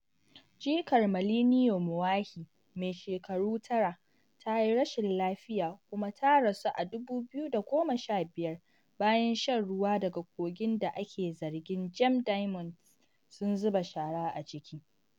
Jikar Malineo Moahi mai shekaru tara ta yi rashin lafiya kuma ta rasu a 2015 bayan shan ruwa daga kogin da ake zargin Gem Diamonds sun zuba shara a ciki.